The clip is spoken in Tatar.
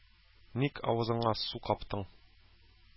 Ник авызыңа су каптың?